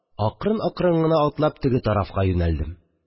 Акрын-акрын гына атлап, теге тарафка юнәлдем